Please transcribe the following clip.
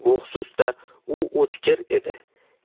bu xususda u o'tkir edi